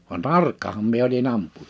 vaan tarkkahan minä olin ampuja